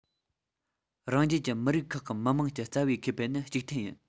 རང རྒྱལ གྱི མི རིགས ཁག གི མི དམངས ཀྱི རྩ བའི ཁེ ཕན ནི གཅིག མཐུན ཡིན